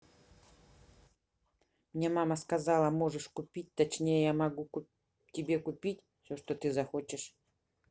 мне мама сказала можешь купить точнее я могу тебе купить все что ты захочешь